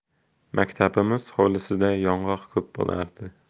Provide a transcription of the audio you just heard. maktabimiz hovlisida yong'oq ko'p bo'lardi